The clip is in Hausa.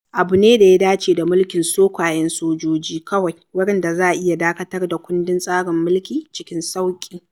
Abu ne da ya dace da mulkin sokwayen sojoji kawai, wurin da za a iya dakatar da kundin tsarin mulki cikin sauƙi…